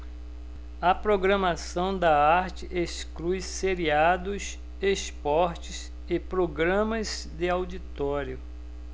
a programação da arte exclui seriados esportes e programas de auditório